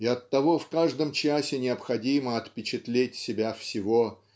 и оттого в каждом часе необходимо отпечатлеть себя всего